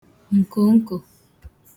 ǹkònkò